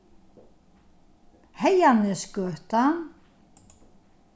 heyganesgøta